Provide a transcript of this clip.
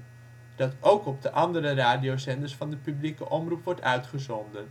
andere radiozenders van de publieke omroep wordt uitgezonden